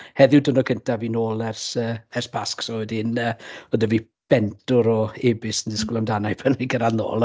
Heddi yw'r diwrnod cyntaf fi nôl ers yy ers Pasg, so wedyn yy oedd 'da fi bentwr o ebyst yn disgwyl amdana i pan o'n i'n cyrraedd nôl.